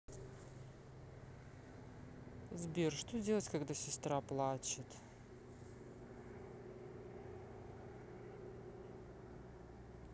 сбер что делать когда сестра плачет